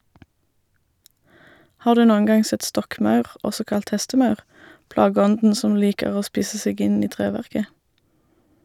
Har du noen gang sett stokkmaur, også kalt hestemaur, plageånden som liker å spise seg inn i treverket?